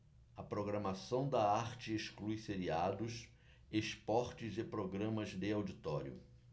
a programação da arte exclui seriados esportes e programas de auditório